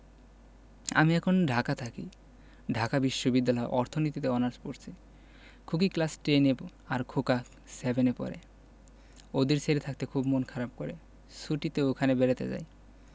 আমি এখন ঢাকা থাকি ঢাকা বিশ্ববিদ্যালয়ে অর্থনীতিতে অনার্স পরছি খুকি ক্লাস টেন এ আর খোকা সেভেন এ পড়ে ওদের ছেড়ে থাকতে খুব মন খারাপ করে ছুটিতে ওখানে বেড়াতে যাই